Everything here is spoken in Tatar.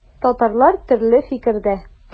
Татарлар төрле фикердә.